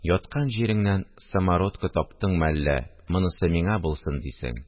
– яткан җиреңнән самородкы таптыңмы әллә? монысы миңа булсын, дисең